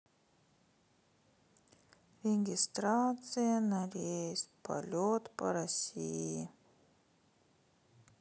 регистрация на рейс полет по россии